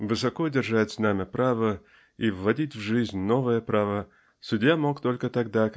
Высоко держать знамя права и вводить в жизнь новое право судья мог только тогда